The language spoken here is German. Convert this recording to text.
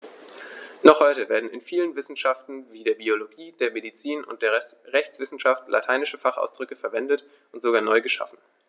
Noch heute werden in vielen Wissenschaften wie der Biologie, der Medizin und der Rechtswissenschaft lateinische Fachausdrücke verwendet und sogar neu geschaffen.